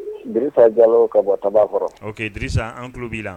Bisa jalaw ka bɔ ta kɔrɔ o di an tulo b'i la